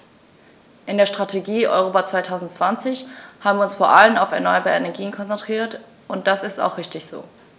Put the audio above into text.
In der Strategie Europa 2020 haben wir uns vor allem auf erneuerbare Energien konzentriert, und das ist auch richtig so.